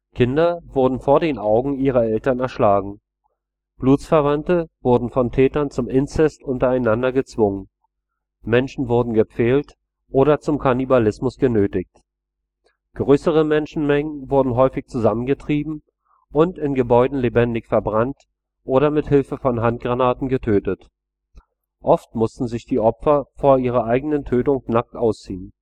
Kinder wurden vor den Augen ihrer Eltern erschlagen. Blutsverwandte wurden von Tätern zum Inzest untereinander gezwungen; Menschen wurden gepfählt oder zum Kannibalismus genötigt. Größere Menschenmengen wurden häufig zusammengetrieben und in Gebäuden lebendig verbrannt oder mit Hilfe von Handgranaten getötet. Oft mussten sich die Opfer vor ihrer eigenen Tötung nackt ausziehen